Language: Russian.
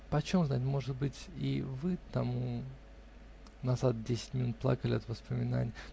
Почем знать, может быть, и вы, тому назад десять минут, плакали от воспоминанья.